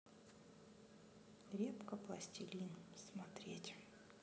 репка пластилин смотреть